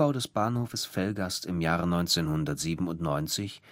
des Bahnhofes Velgast im Jahre 1997